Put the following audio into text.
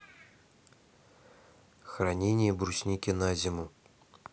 хранение брусники на зиму